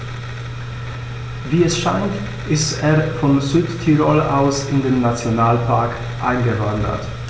Wie es scheint, ist er von Südtirol aus in den Nationalpark eingewandert.